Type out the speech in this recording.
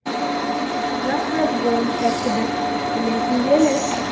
Заказ буенча кебек, нәтиҗәле.